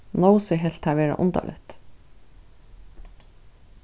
nósi helt tað vera undarligt